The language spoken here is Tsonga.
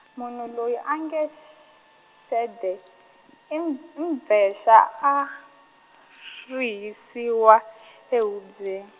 munhu loyi a nge xede, im- i mbvexa a, rihisiwa ehubyeni.